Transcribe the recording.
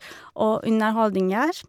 Og underholdninger.